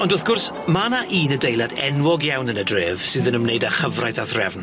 Ond wrth gwrs, ma' 'na un adeilad enwog iawn yn y dref sydd yn ymwneud â chyfraith a threfn.